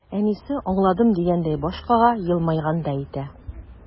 Әнисе, аңладым дигәндәй баш кага, елмайгандай итә.